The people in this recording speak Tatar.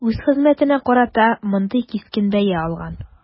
Үз хезмәтенә карата мондый кискен бәя алган.